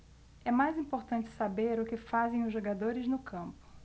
é mais importante saber o que fazem os jogadores no campo